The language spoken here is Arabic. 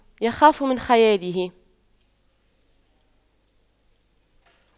يخاف من خياله